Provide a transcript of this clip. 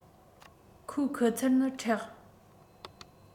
ཁོའི ཁུ ཚུར ནི མཁྲེགས